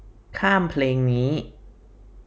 ข้ามเพลงนี้